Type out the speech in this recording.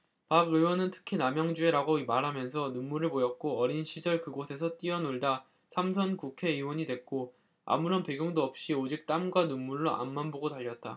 박 의원은 특히 남양주에 라고 말하면서 눈물을 보였고 어린 시절 그곳에서 뛰어놀다 삼 선 국회의원이 됐고 아무런 배경도 없이 오직 땀과 눈물로 앞만 보고 달렸다